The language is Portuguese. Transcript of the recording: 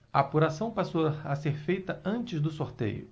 a apuração passou a ser feita antes do sorteio